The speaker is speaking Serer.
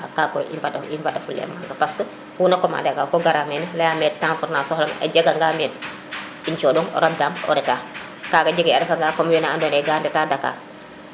kaga koy i m bada fule ta maga parce que o xuna na commande a ko gara bo mene leyame temps fod nana soxla um a jega nga meen um coɗoŋ o rab daam o reta kaga jege a refa nga comme wene ando naye ka ndeta Dackar